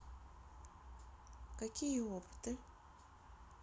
какие опыты